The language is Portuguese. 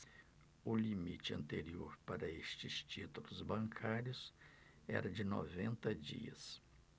o limite anterior para estes títulos bancários era de noventa dias